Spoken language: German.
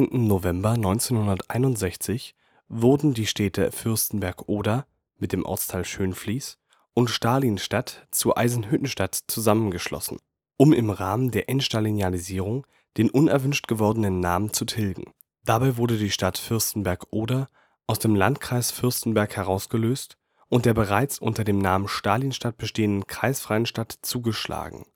November 1961 wurden die Städte Fürstenberg (Oder) (mit dem Ortsteil Schönfließ) und Stalinstadt zu Eisenhüttenstadt zusammengeschlossen, um im Rahmen der Entstalinisierung den unerwünscht gewordenen Namen zu tilgen. Dabei wurde die Stadt Fürstenberg (Oder) aus dem Landkreis Fürstenberg herausgelöst und der bereits unter dem Namen Stalinstadt bestehenden kreisfreien Stadt zugeschlagen